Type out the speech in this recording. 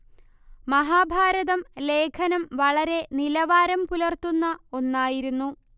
മഹാഭാരതം ലേഖനം വളരെ നിലവാരം പുലര്ത്തുന്ന ഒന്നായിരുന്നു